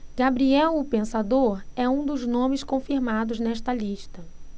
gabriel o pensador é um dos nomes confirmados nesta lista